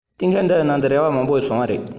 གཏན འཁེལ འདིའི ནང དུ རེ བ མང པོ བྱུང བ རེད